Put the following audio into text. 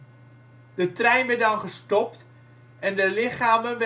trein werd dan gestopt en de lichamen werden